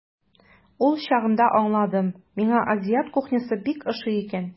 Ул чагында аңладым, миңа азиат кухнясы бик ошый икән.